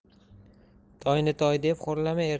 toyni toy deb xo'rlama